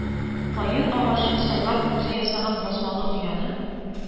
Каен агачын сайлап, үзе ясаган басмалы ояны